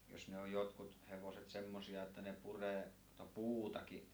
jos ne on jotkut hevoset semmoisia että ne puree tuota puutakin